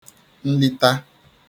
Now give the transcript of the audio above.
nlita